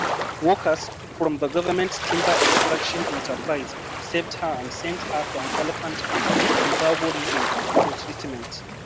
Workers from the government’s timber extraction enterprise saved her and sent her to an elephant camp in Bago Region for treatment.